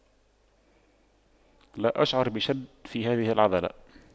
لا اشعر بشد في هذه العضلة